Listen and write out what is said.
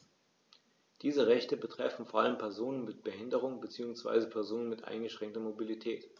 Diese Rechte betreffen vor allem Personen mit Behinderung beziehungsweise Personen mit eingeschränkter Mobilität.